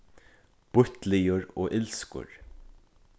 býttligur og ilskur